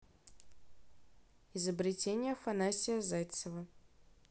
изобретение афанасия зайцева